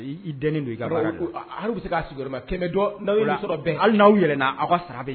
I don bɛ se' ma kɛmɛ bɛn hali n' awaw yɛlɛna aw